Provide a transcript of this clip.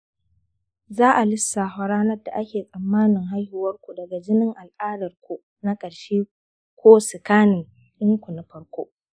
za'a lissafa ranar da ake tsammanin haihuwarku daga jinin al'adarku na ƙarshe ko sikanin ɗinku na farko